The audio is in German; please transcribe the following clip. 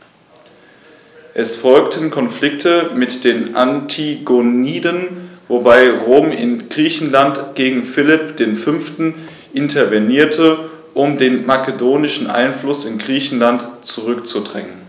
Es folgten Konflikte mit den Antigoniden, wobei Rom in Griechenland gegen Philipp V. intervenierte, um den makedonischen Einfluss in Griechenland zurückzudrängen.